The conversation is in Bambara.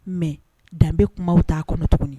Mɛ danbebe kumaw t'a kɔnɔ tuguni